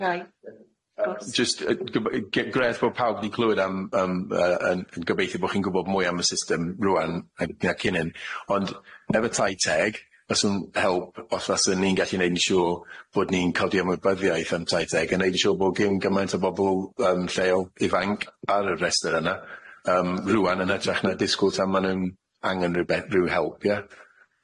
Iawn. Wrth gwrs. yym jyst yy gybo- i- g- grêt bo' pawb ni'n clywed am yym yy yn yn gobeithio bo' chi'n gwbod mwy am y system rŵan ac ac ynnyn ond efo tai teg fyswn help os fyswn i'n gallu neud yn siŵr bod ni'n ca'l dy ymwybyddiaeth am tai teg yn neud yn siŵr bo' gin gymaint o bobol yym lleol ifanc ar y rester yna yym rŵan yn ytrach na disgwl tan ma' nw'n angen ryw be- ryw help ia? Dioch